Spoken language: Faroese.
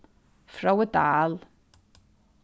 fróði dahl